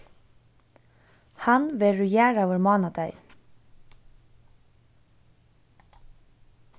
hann verður jarðaður mánadagin